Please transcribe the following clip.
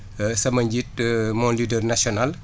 sama njiit mon leader natinal